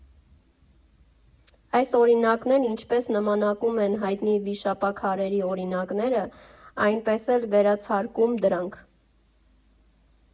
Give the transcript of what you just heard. Այս օրինակներն ինչպես նմանակում են հայտնի վիշապաքարերի օրինակները, այնպես էլ վերացարկում դրանք։